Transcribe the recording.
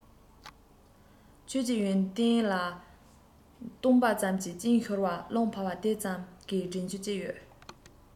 ཁྱོད ཀྱི ཡོན ཏན ལ བཏུངས པ ཙམ གྱིས གཅིན ཤོར བ རླུང འཕར བ དེ ཙམ གས དྲིན རྒྱུ ཅི ཡོད